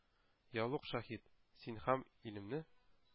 Яулык шаһит: сине һәм илемне